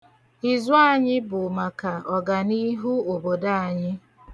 Izu anyị bụ maka ọganiihu obodo anyị.